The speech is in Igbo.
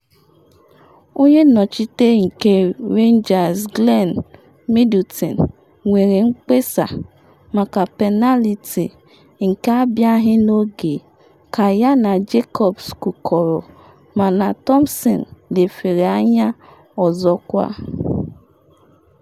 Onye nnọchite nke Rangers Glenn Middleton nwere mkpesa maka penaliti nke abịaghị n’oge ka ya na Jacobs kụkọrọ mana Thomson lefere anya ọzọkwa.